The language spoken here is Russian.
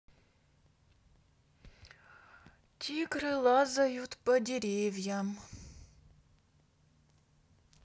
тигры лазают по деревьям